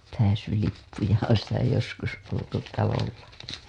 pääsylippuja on sitä joskus oltu talollakin